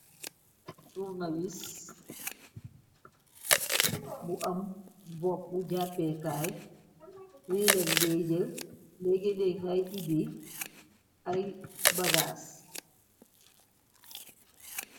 Tourne wis bu am bopp jàppekaay. Lee lañ dee jël, léegée leeg ngay ibbi ay bagaas.